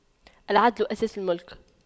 العدل أساس الْمُلْك